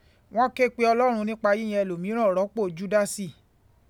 Wọ́n ké pe Ọlọ́run nípa yíyan ẹlòmíràn rọ́pò Júdásì.